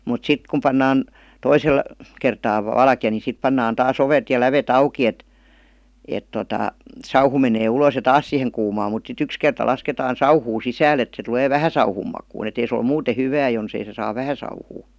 mutta sitten kun pannaan toisella kertaa valkea niin sitten pannaan taas ovet ja lävet auki että että tuota sauhu menee ulos ja taas siihen kuumaan mutta sitten yksi kerta lasketaan sauhua sisälle että se tulee vähän sauhun makuun että ei se ole muuten hyvää jos ei se saa vähän sauhua